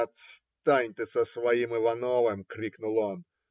- Отстань ты с своим Ивановым! - крикнул он.